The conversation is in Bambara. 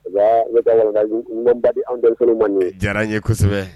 Nka ne ba anpma ye diyara ye kosɛbɛ